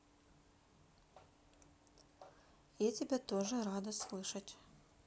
я тебя тоже рада слышать